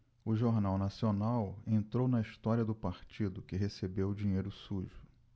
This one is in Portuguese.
o jornal nacional entrou na história do partido que recebeu dinheiro sujo